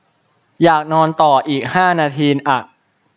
อยากนอนต่ออีกห้านาทีอะ